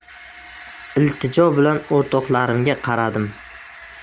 iltijo bilan o'rtoqlarimga qaradim